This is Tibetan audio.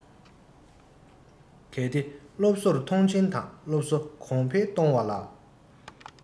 གལ ཏེ སློབ གསོར མཐོང ཆེན དང སློབ གསོ གོང འཕེལ གཏོང བ ལ